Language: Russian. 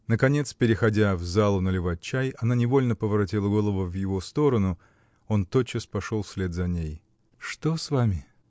Наконец, переходя в залу наливать чай, она невольно поворотила голову в его сторону. Он тотчас пошел вслед за ней. -- Что с вами?